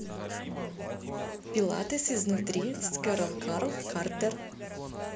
пилатес изнутри с кэрол карл картер